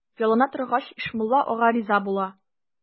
Ялына торгач, Ишмулла ага риза була.